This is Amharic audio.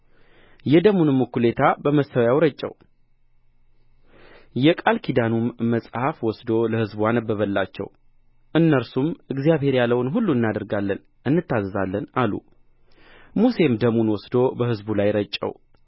የደሙንም እኵሌታ በመሠዊያው ረጨው የቃል ኪዳኑንም መጽሐፍ ወስዶ ለሕዝቡ አነበበላቸው እነርሱም እግዚአብሔር ያለውን ሁሉ እናደርጋለን እንታዘዛለንም አሉ ሙሴም ደሙን ውስዶ በሕዝቡ ላይ ረጨው